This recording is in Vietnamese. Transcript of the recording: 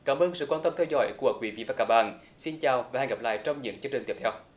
cảm ơn sự quan tâm theo dõi của quý vị và các bạn xin chào và hẹn gặp lại trong những chương trình tiếp theo